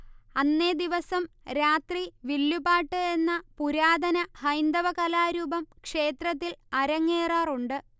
അന്നേദിവസം രാത്രി വില്ലുപാട്ട് എന്ന പുരാതന ഹൈന്ദവകലാരൂപം ക്ഷേത്രത്തിൽ അരങ്ങേറാറുണ്ട്